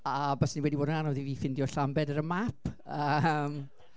A base fe wedi bod yn anodd i fi ffeindio Llambed ar y map! yym